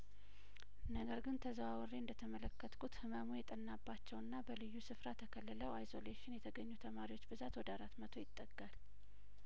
ነገር ግን ተዘዋው ሬ እንደተመለከትኩት ህመሙ የጠናባቸውና በልዩ ስፍራ ተከልለው አይሶሌሽን የተገኙት ተማሪዎች ብዛት ወደ አራት መቶ ይጠጋል